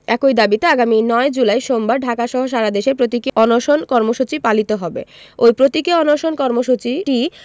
একই দাবিতে আগামী ৯ জুলাই সোমবার ঢাকাসহ সারাদেশে প্রতীকী অনশন কর্মসূচি পালিত হবে ওই প্রতীকী অনশন কর্মসূচিটি